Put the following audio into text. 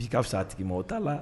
B'i ka fisa a tigi ma o t'a la